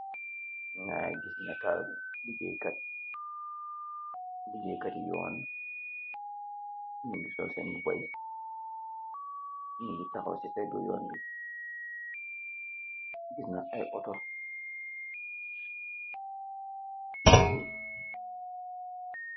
Ngay liggéeykat yi yoon ningi soo sen bu bay ningi taxaw ci feydu yoon bi gis na ay oto yi ñu.